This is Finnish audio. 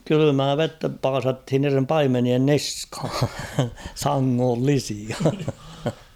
kylmää vettä paasattiin niiden paimenien niskaan sangollisia